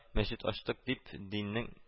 Мәчет ачтык, дип, диннең